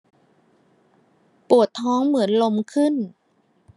ปวดท้องเหมือนลมขึ้น